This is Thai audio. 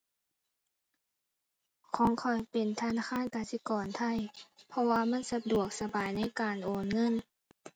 ของข้อยเป็นธนาคารกสิกรไทย เพราะว่ามันสะดวกสบายในการโอนเงิน